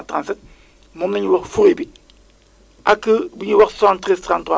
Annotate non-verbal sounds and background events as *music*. léegi booy xool multiplier ko par quarante ça fait combien de kii de kii quoi *noise* xam nga